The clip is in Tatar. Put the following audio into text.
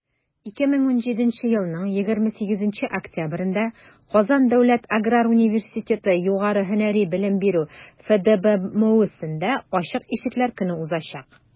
2017 елның 28 октябрендә «казан дәүләт аграр университеты» югары һөнәри белем бирү фдбмусендә ачык ишекләр көне узачак.